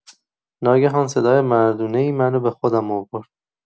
ناگهان صدای مردونه‌ای منو به خودم آورد.